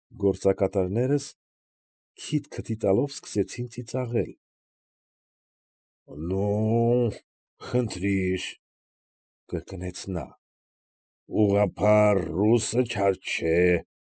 Գործակատարներս, քիթ քթի տալով, սկսեցին ծիծաղել։ ֊ Նո՜ւ, խնդրիր,֊ կրկնեց նա,֊ ուղղափառ ռուսը չար չէ։